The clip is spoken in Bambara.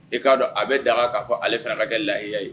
I k'a dɔn a bɛ daka k'a fɔ ale fana ka kɛ lahiya ye.